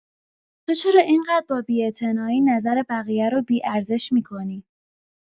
تو چرا این‌قدر با بی‌اعتنایی نظر بقیه رو بی‌ارزش می‌کنی؟